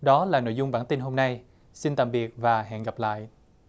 đó là nội dung bản tin hôm nay xin tạm biệt và hẹn gặp lại